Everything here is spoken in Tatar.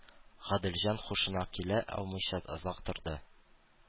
Гаделҗан һушына килә алмыйча озак торды